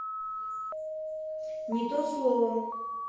не то слово